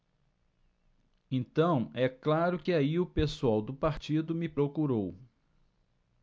então é claro que aí o pessoal do partido me procurou